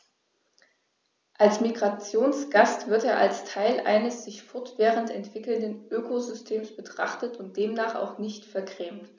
Als Migrationsgast wird er als Teil eines sich fortwährend entwickelnden Ökosystems betrachtet und demnach auch nicht vergrämt.